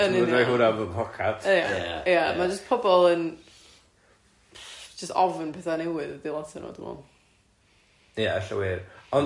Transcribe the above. Dwi'n myn' rhoi hwnna yn fy mhocad! Ia ia ia ma' jyst pobol yn jyst ofn petha' newydd 'di lot ohono fo dwi'n meddwl. Ia ella wir ond